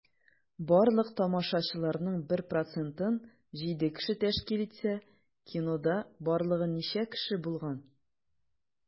Барлык тамашачыларның 1 процентын 7 кеше тәшкил итсә, кинода барлыгы ничә кеше булган?